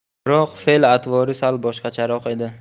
biroq fe'l atvori sal boshqacharoq edi